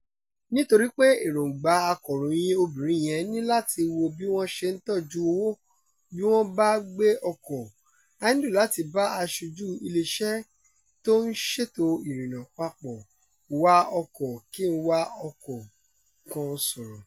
Nítorí pé èròńgbà Akọ̀ròyìn obìnrin yẹn ni láti wo bí wọ́n ṣe ń tọ́jú owó bí wọ́n bá gbé ọkọ̀, a nílò láti bá aṣojú iléeṣẹ́ tó ń ṣètò ìrìnnà-papọ̀-wa-ọkọ̀-kí-n-wa-ọkọ̀ kan sọ̀rọ̀